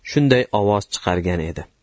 shunday shovqinli ovoz chiqargan edi